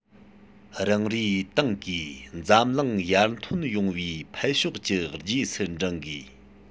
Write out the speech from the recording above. རང རེའི ཏང གིས འཛམ གླིང ཡར ཐོན ཡོང བའི འཕེལ ཕྱོགས ཀྱི རྗེས སུ འབྲངས དགོས